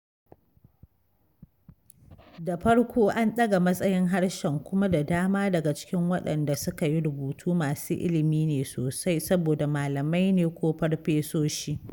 Da farko, an ɗaga matsayin harshen kuma da dama daga cikin waɗanda suka yi rubutu masu ilimi ne sosai saboda malamai ne ko farfesoshi.